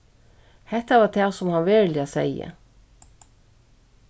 hetta var tað sum hann veruliga segði